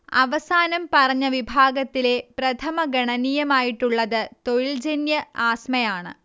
അവസാനം പറഞ്ഞ വിഭാഗത്തിലെ പ്രഥമഗണനീയമായിട്ടുള്ളത് തൊഴിൽജന്യ ആസ്മയാണ്